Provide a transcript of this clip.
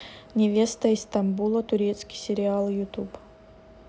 невеста из стамбула турецкий сериал ютуб